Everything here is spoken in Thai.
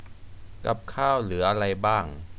กับข้าวเหลืออะไรบ้าง